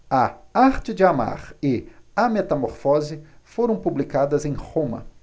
a arte de amar e a metamorfose foram publicadas em roma